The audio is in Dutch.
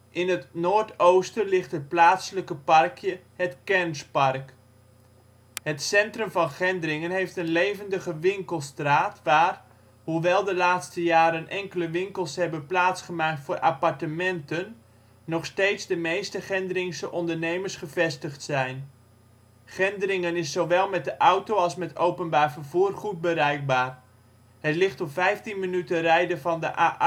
In het noordoosten ligt het plaatselijke parkje " Het Kernspark ". Het centrum van Gendringen heeft een levendige winkelstraat (Grotestraat) waar, hoewel de laatste jaren enkele winkels hebben plaatsgemaakt voor appartementen, nog steeds de meeste Gendringse ondernemers gevestigd zijn. Gendringen is zowel met de auto als met openbaar vervoer goed bereikbaar. Het ligt op 15 minuten rijden van de A18